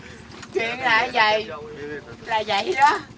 chuyện là dầy là dậy đó